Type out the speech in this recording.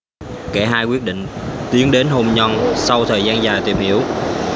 cả hai quyết định tiến đến hôn nhân sau thời gian dài tìm hiểu